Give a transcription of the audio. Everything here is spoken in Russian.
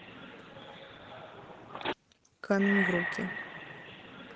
камень в руки